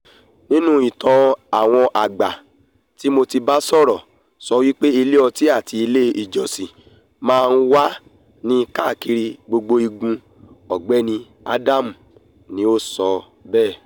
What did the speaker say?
'Nínu ìtàn, àwọn àgbà tí mo ti bá sọ̀rọ̀ sọwípé́ ilé ọtí àti ilé ìjọsìn ma nwà ní káàkiri gbogbo igun,'' Ògbẹ́ni Adam ni o so bèẹ́.